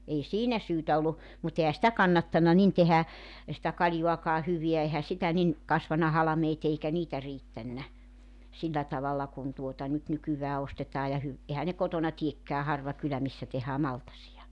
ei siinä syytä ollut mutta eihän sitä kannattanut niin tehdä sitä kaljaakaan hyvää eihän sitä niin kasvanut halmeet eikä niitä riittänyt sillä tavalla kuin tuota nyt nykyään ostetaan ja - eihän ne kotona teekään harva kylä missä tehdään maltaita